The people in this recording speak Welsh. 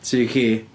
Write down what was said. Tŷ ci.